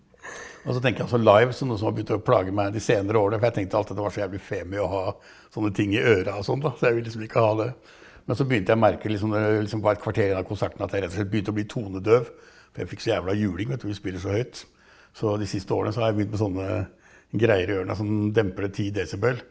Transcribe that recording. også tenker jeg også live så noe som har begynt å plage meg de senere årene for jeg tenkte alltid at det var så jævlig femi å ha sånne ting i øra og sånn da, så jeg ville liksom ikke ha det, men så begynte jeg å merke liksom når det var liksom et kvarter igjen av konserten at jeg rett og slett begynte å bli tonedøv for jeg fikk så jævla juling vet du, vi spiller så høyt så de siste årene så har jeg begynt med sånne greier i ørene som demper det ti desibel.